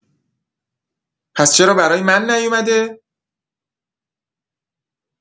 پس چرا برای من نیومده؟!